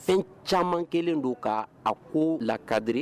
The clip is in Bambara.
Fɛn caaman kɛlen don ka a ko la cadrer